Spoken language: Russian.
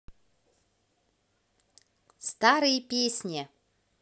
старые песни